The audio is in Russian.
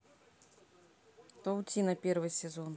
паутина первый сезон